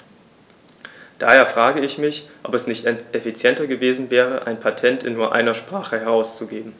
Daher frage ich mich, ob es nicht effizienter gewesen wäre, ein Patent in nur einer Sprache herauszugeben.